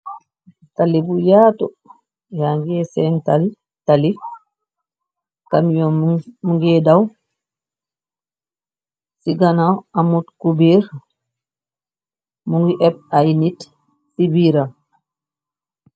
Tali bu yatu, yangè senn tali. Kabiyo mungè daw ci gannaw amut cubèr. Mungi epp ay nit ci biiram.